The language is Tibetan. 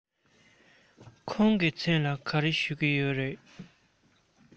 ཁོང གི མཚན ལ ག རེ ཞུ གི ཡོད རེད